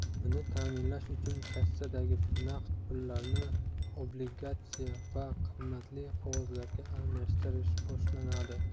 buni ta'minlash uchun kassadagi naqd pullarni obligatsiyalar yoki qimmatli qog'ozlarga almashtirish boshlanadi